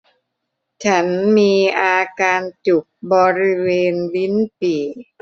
ฉันมีอาการจุกบริเวณลิ้นปี่